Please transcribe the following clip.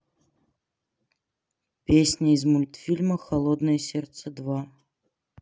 песня из мультфильма холодное сердце два